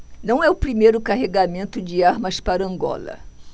não é o primeiro carregamento de armas para angola